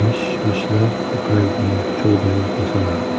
bo'lsa ham mish mishlar ko'kragiga cho'g'day bosilardi